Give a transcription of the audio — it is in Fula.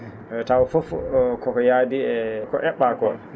eeyi tawa fof ko ko yaadi e e ko e??aa koo